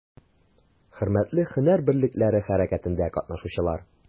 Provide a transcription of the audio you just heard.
Хөрмәтле һөнәр берлекләре хәрәкәтендә катнашучылар!